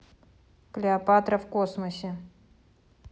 клеопатра в космосе